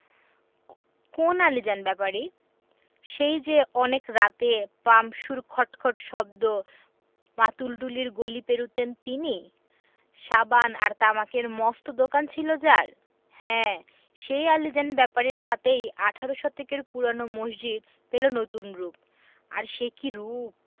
কোন আলীজান ব্যাপারী সেই যে অনেক রাতে পাম্পসুর খট খট শব্দ মাতুলটুলির গলি পেরুতেন তিনি সাবান আর তামাকের মস্ত দোকান ছিল যার হ্যাঁ সেই আলীজান ব্যাপারীর হাতেই আঠারো শতকের পুরোনো মসজিদ পেলো নতুন রুপ আর সে কি রুপ